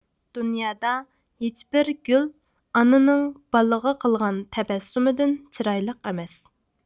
دۇنيادا ھېچبىر گۈل ئانىنىڭ بالىغا قىلغان تەبەسسۇمىدىن چىرايلىق ئەمەس